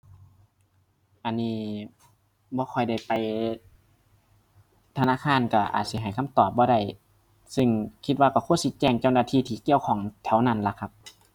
อันนี้บ่ค่อยได้ไปธนาคาร ก็อาจสิให้คำตอบบ่ได้ ซึ่งคิดว่าก็ควรสิแจ้งเจ้าหน้าที่ที่เกี่ยวข้องแถวนั้นล่ะครับ